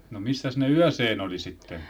no missäs ne yön oli sitten